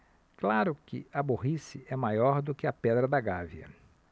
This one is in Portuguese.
claro que a burrice é maior do que a pedra da gávea